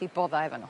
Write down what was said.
'u bodda efo n'w.